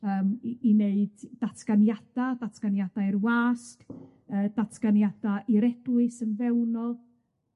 yym i i neud datganiada, datganiada' i'r wasg yy datganiada i'r Eglwys yn fewnol